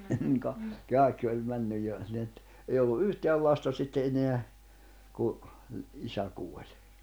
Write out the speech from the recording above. niin - kaikki oli mennyt jo niin että ei ollut yhtään lasta sitten enää kun isä kuoli